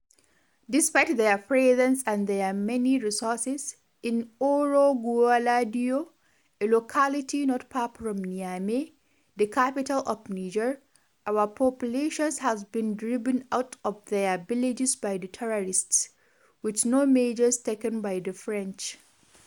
Despite their presence and their many resources, in Ouro Guéladio, a locality not far from Niamey, the capital of Niger, our populations have been driven out of their villages by the terrorists, with no measures taken by the French.